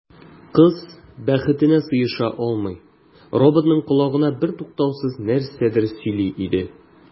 Кыз, бәхетенә сыеша алмый, роботның колагына бертуктаусыз нәрсәдер сөйли иде.